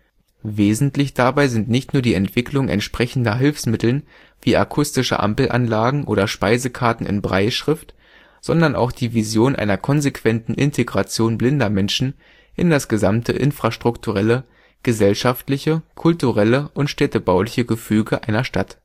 Wesentlich dabei sind nicht nur die Entwicklung entsprechender Hilfsmittel wie akustische Ampelanlagen oder Speisekarten in Brailleschrift, sondern auch die Vision einer konsequenten Integration blinder Menschen in das gesamte infrastrukturelle, gesellschaftliche, kulturelle und städtebauliche Gefüge einer Stadt